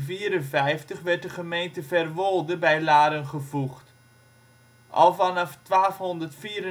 1854 werd de gemeente Verwolde bij Laren gevoegd. Al vanaf 1294/95